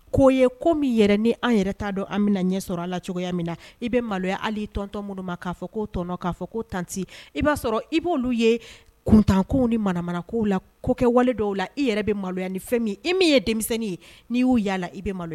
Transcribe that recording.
' ye ko yɛrɛ ni an yɛrɛ t' dɔn an bɛna na ɲɛ sɔrɔ a la cogoya min na i bɛ maloya hali tɔntɔn minnu ma'a fɔ' tɔnɔnɔ'a fɔ ko tan i b'a sɔrɔ i b'olu ye kuntanko ni mara marakaww la ko kɛwale dɔw la i yɛrɛ bɛ maloya ni fɛn min i min ye denmisɛnnin ye n'i y'u yalala i malo